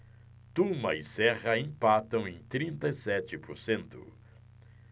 tuma e serra empatam em trinta e sete por cento